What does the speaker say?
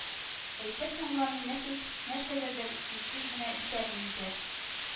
Әйтерсең, ул аны нәрсәс нәрсәдәдер сүзсез генә битәрли иде